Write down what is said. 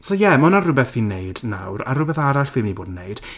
So ie mae hwnna rhywbeth fi'n wneud nawr a rhywbeth arall fi'n mynd i bod yn wneud...